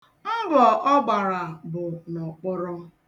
Mbọ ọ gbara bụ n'ọkpọrọ.